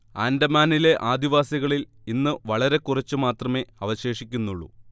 ആൻഡമാനിലെ ആദിവാസികളിൽ ഇന്ന് വളരെക്കുറച്ചുമാത്രമേ അവശേഷിക്കുന്നുള്ളൂ